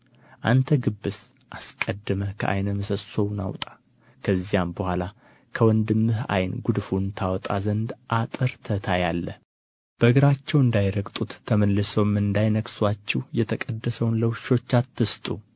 አንተ ግብዝ አስቀድመህ ከዓይንህ ምሰሶውን አውጣ ከዚያም በኋላ ከወንድምህ ዓይን ጉድፉን ታወጣ ዘንድ አጥርተህ ታያለህ በእግራቸው እንዳይረግጡት ተመልሰውም እንዳይነክሱአችሁ የተቀደሰውን ለውሾች አትስጡ